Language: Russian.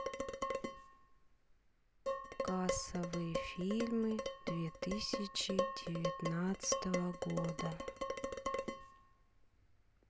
кассовые фильмы две тысячи девятнадцатого года